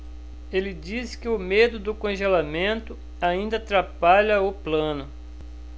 ele disse que o medo do congelamento ainda atrapalha o plano